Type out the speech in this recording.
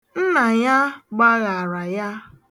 Nna ya gbaghaara ya .